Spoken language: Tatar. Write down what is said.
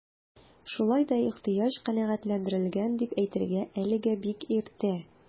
Шулай да ихтыяҗ канәгатьләндерелгән дип әйтергә әлегә бик иртә.